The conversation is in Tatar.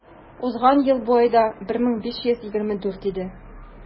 Узган ел бу айда 1524 иде.